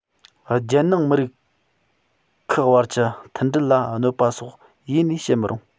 རྒྱལ ནང མི རིགས ཁག བར གྱི མཐུན སྒྲིལ ལ གནོད པ སོགས ཡེ ནས བྱེད མི རུང